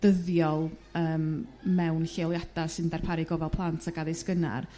dyddiol yrm mewn lleoliada' sy'n darparu gofal plant ac addysg gynnar.